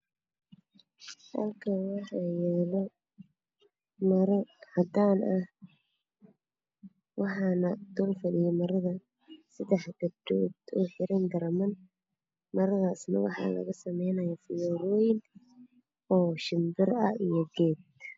Meeshaan ha iga muuqda saddex gabdhood oo dul taagan maro cadaan ah garamaan waxay ka samaynayaan fiyoore